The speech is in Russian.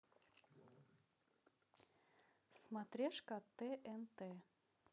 смотрешка тнт